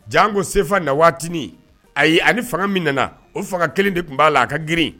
Jan ko sen na waati ayi a fanga min nana o fanga kelen de tun b'a la a ka girin